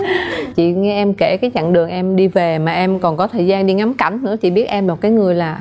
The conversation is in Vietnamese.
chị nghe em kể cái chặng đường em đi về mà em còn có thời gian đi ngắm cảnh nữa chị biết em là một cái người là